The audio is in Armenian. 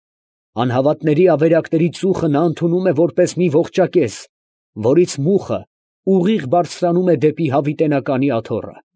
Անհավատների ավերակների ծուխը նա ընդունում է որպես մի ողջակեզ, որից մուխը ուղիղ բարձրանում է դեպի հավիտենականի աթոռը։